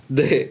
Yndi.